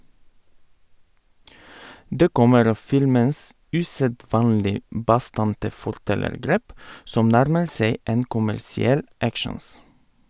Det kommer av filmens usedvanlig bastante fortellergrep, som nærmer seg en kommersiell actions.